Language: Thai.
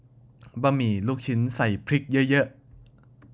บะหมี่ลูกชิ้นใส่พริกเยอะเยอะ